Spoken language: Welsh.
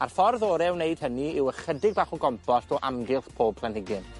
A'r ffordd ore o wneud hynny yw ychydig bach o gompost o amgylch bob planhigyn.